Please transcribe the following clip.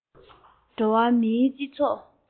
འགྲོ བ མིའི སྤྱི ཚོགས